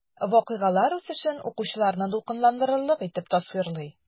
Вакыйгалар үсешен укучыларны дулкынландырырлык итеп тасвирлый.